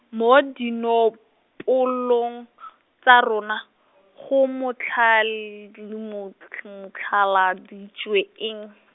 mo dinopolong , tsa rona, go motlhal- dinomotlh- ntlh-, motlhaladitswe eng?